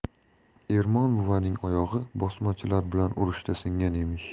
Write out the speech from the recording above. ermon buvaning oyog'i bosmachilar bilan urushda singan emish